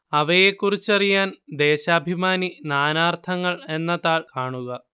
അവയെക്കുറിച്ചറിയാന് ദേശാഭിമാനി നാനാര്ത്ഥങ്ങള് എന്ന താള് കാണുക